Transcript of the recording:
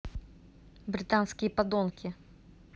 британские подонки